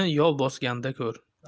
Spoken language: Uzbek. yov bosganda ko'r